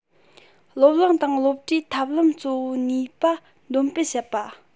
སློབ གླིང དང སློབ གྲྭའི ཐབས ལམ གཙོ བོའི ནུས པ འདོན སྤེལ བྱེད པ